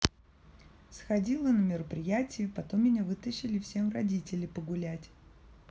сходила на мероприятие потом меня вытащили всем родители погулять